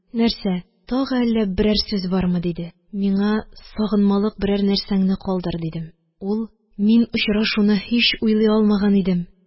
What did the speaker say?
– нәрсә, тагы әллә берәр сүз бармы? – диде. – миңа сагынмалык берәр нәрсәңне калдыр, – дидем. ул: – мин очрашуны һич уйлый алмаган идем,